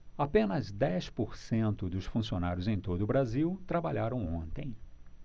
apenas dez por cento dos funcionários em todo brasil trabalharam ontem